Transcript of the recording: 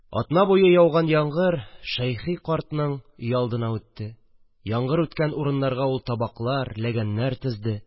Атна буе яуган яңгыр Шәйхи картның өйалдына үтте, яңгыр үткән урыннарга ул табаклар, ләгәннәр тезде